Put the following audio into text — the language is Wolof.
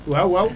waaw waaw